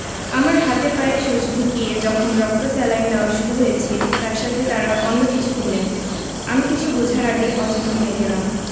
আমার হাতে পায়ে সুচ ঢুকিয়ে যখন রক্ত স্যালাইন দেওয়া শুরু হয়েছে তার সাথে তারা অন্য কিছু দিলেন আমি কিছু বোঝার আগে অচেতন হয়ে গেলাম